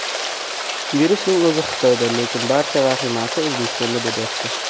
virusning o'zi xitoyda lekin barcha vahimasi o'zbekistonda bo'lyapti